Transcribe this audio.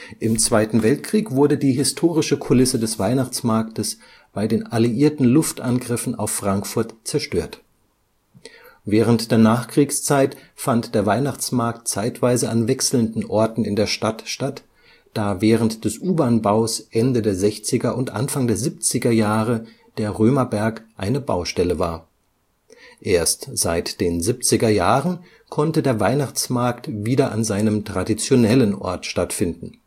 Im Zweiten Weltkrieg wurde die historische Kulisse des Weihnachtsmarktes bei den alliierten Luftangriffen auf Frankfurt zerstört. Während der Nachkriegszeit fand der Weihnachtsmarkt zeitweise an wechselnden Orten in der Stadt statt, da während des U-Bahn-Baus Ende der sechziger und Anfang der siebziger Jahre der Römerberg eine Baustelle war. Erst seit den siebziger Jahren konnte der Weihnachtsmarkt wieder an seinem traditionellen Ort stattfinden